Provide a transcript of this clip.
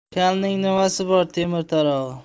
kalning nimasi bor temir tarog'i